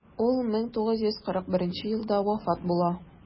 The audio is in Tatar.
Ул 1941 елда вафат була.